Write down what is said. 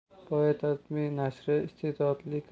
boetadme nashri iste'dodli